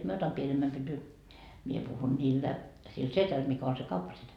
minä otan pienemmän pytyn minä puhun niille sille sedälle mikä on se kauppasetä